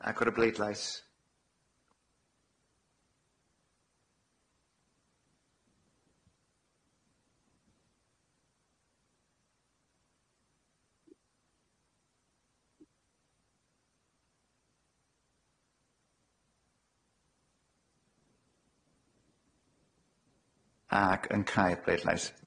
Agor y bleidlais. Ac yn cau'r bleidlais.